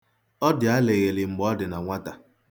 Ọ dị alịghịlị mgbe ọ dị na nwata.